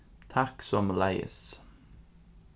takk somuleiðis